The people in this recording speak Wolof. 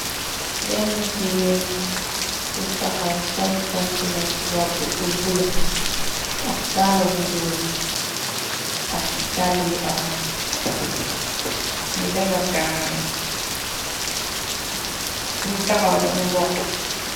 Benn jigeen bu taxaw sol complete rob buy bula ak kaala bu rose ak dally orans ngi defar kanama fum taxaw dafa mbok.